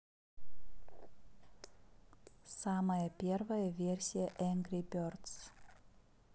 самая первая версия angry birds